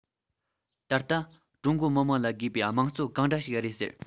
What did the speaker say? ད ལྟ ཀྲུང གོའི མི དམངས ལ དགོས པའི དམངས གཙོ གང འདྲ ཞིག རེད ཟེར